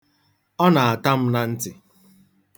Ọ na-ata m na ntị.